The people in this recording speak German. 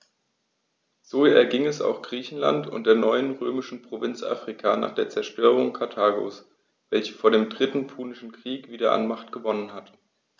So erging es auch Griechenland und der neuen römischen Provinz Afrika nach der Zerstörung Karthagos, welches vor dem Dritten Punischen Krieg wieder an Macht gewonnen hatte.